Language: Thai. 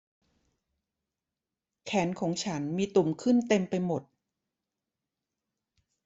แขนของฉันมีตุ่มขึ้นเต็มไปหมด